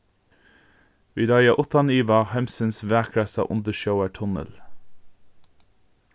vit eiga uttan iva heimsins vakrasta undirsjóvartunnil